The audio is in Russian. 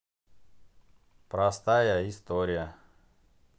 простая история